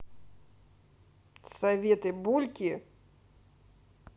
советы бульки